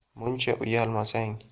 muncha uyalmasang